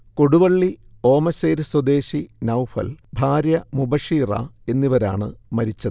കൊടുവളളി ഓമശ്ശേരി സ്വദേശി നൗഫൽ, ഭാര്യ മുബഷീറ എന്നിവരാണ് മരിച്ചത്